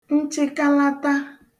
nchịkalata